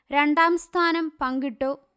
രണ്ടാം സ്ഥാനം പങ്കിട്ടു